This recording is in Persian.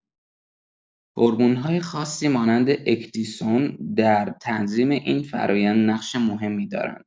هورمون‌های خاصی مانند اکدیسون در تنظیم این فرآیند نقش مهمی دارند.